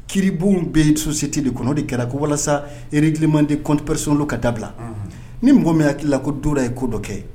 Kiiribu bɛ susite de kɔnɔ de kɛra ko walasa erkili manden kɔnpresi ka dabila ni mɔgɔ mi hakili la ko don dɔ ye ko dɔ kɛ